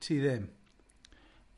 Ti ddim?